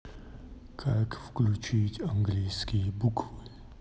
как включить английские буквы